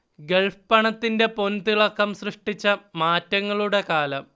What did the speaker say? Gulf പണത്തിന്റെ പൊൻതിളക്കം സൃഷ്ടിച്ച മാറ്റങ്ങളുടെ കാലം